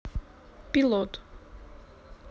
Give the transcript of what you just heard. пилот